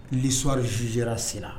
Lissawari zera sen